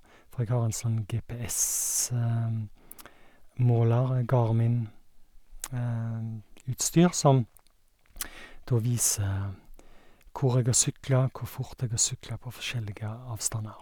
For jeg har en sånn GPSmåler, Garminutstyr som da viser hvor jeg har sykla, hvor fort jeg har sykla på forskjellige avstander.